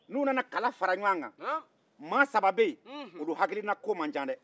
n'u nana kala faraɲɔgɔnkan maa saba bɛ yen olu hakilina ko man ca